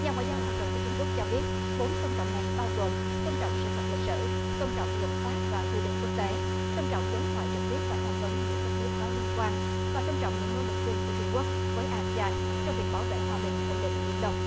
nhà ngoại giao hàng đầu của trung quốc cho biết bốn tôn trọng này bao gồm tôn trọng sự thật lịch sử tôn trọng luật pháp và quy định quốc tế tôn trọng đối thoại trực tiếp và tham vấn giữa các nước có liên quan và tôn trọng những nỗ lực chung của trung quốc với a si an trong việc bảo vệ hòa bình ổn định biển đông